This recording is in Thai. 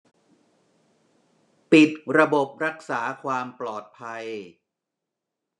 ปิดระบบรักษาความปลอดภัย